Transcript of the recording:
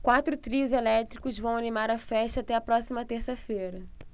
quatro trios elétricos vão animar a festa até a próxima terça-feira